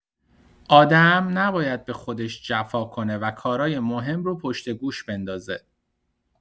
آدم نباید به خودش جفا کنه و کارای مهم رو پشت گوش بندازه.